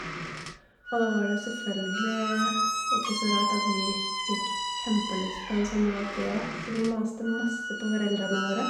Og da var det selvfølgelig ikke så rart at vi fikk kjempelyst på en sånn valp vi og, så vi maste masse på foreldrene våre.